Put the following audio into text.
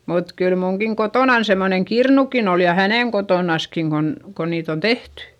mutta kyllä minunkin kotonani semmoinen kirnukin oli ja hänen kotonaankin kun kun niitä on tehty